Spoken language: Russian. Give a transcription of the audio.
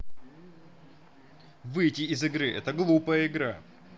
выйти из игры это глупая игра